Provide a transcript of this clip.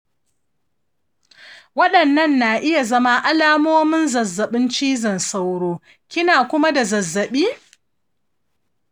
waɗannan na iya zama alamomin zazzaɓin cizon sauro, kina kuma da zazzaɓi?